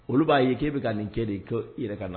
Olu b'a ye k'e bɛ ka nin kɛ de ko i yɛrɛ ka na